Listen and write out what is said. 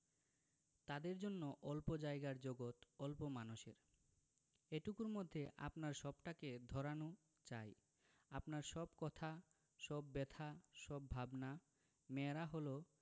তাদের জন্য অল্প জায়গার জগত অল্প মানুষের এটুকুর মধ্যে আপনার সবটাকে ধরানো চাই আপনার সব কথা সব ব্যাথা সব ভাবনা মেয়েরা হল